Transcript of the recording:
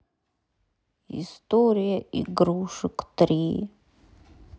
история игрушек три